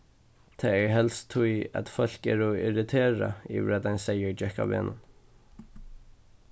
tað er helst tí at fólk eru irriterað yvir at ein seyður gekk á vegnum